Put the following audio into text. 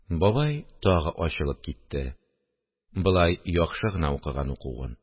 Бабай тагы ачылып китте: – Болай яхшы гына укыган укуын